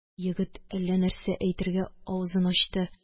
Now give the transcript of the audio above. Егет әллә нәрсә әйтергә авызын ачты.